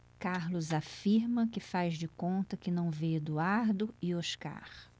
carlos afirma que faz de conta que não vê eduardo e oscar